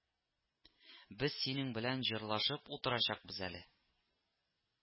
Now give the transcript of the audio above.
— без синең белән җырлашып утырачакбыз әле